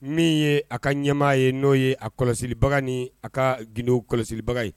Min ye a ka ɲɛmaa ye n'o ye a kɔlɔsibaga ni a ka gindow kɔlɔsibaga ye